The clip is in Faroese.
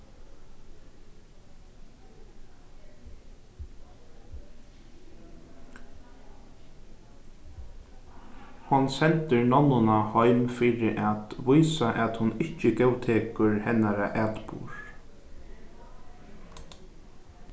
hon sendir nonnuna heim fyri at vísa at hon ikki góðtekur hennara atburð